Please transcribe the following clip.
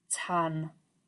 tan